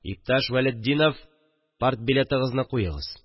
Иптәш Вәлетдинов, партбилетыгызны куегыз